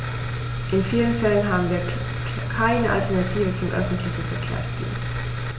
In vielen Fällen haben wir keine Alternative zum öffentlichen Verkehrsdienst.